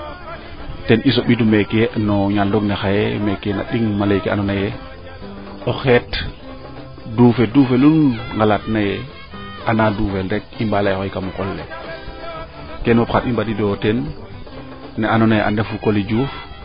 ten i soɓidu meekeno ñaal ne xaye meeke na ɗing ma leeke ando naye o xeet duufe duufolu nu ngalaat naye ana duufel rek ba leye oxey kam qol le keene fop xa i mbadiidoyo teen ne ando naye an refu Coly Diouf